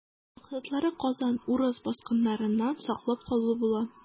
Максатлары Казанны урыс баскыннарыннан саклап калу була.